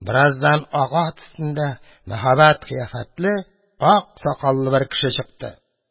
Бераздан ак ат өстендә мәһабәт кыяфәтле ак сакаллы бер кеше чыкты.